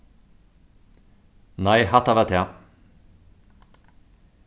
nei hatta var tað